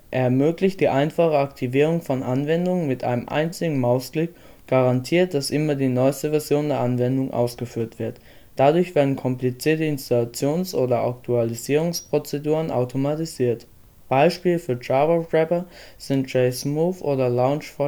ermöglicht die einfache Aktivierung von Anwendungen mit einem einzigen Mausklick und garantiert, dass immer die neueste Version der Anwendung ausgeführt wird. Dadurch werden komplizierte Installations - oder Aktualisierungsprozeduren automatisiert. Beispiele für Java Wrapper sind JSmooth oder Launch4J